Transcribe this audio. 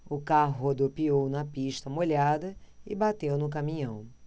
o carro rodopiou na pista molhada e bateu no caminhão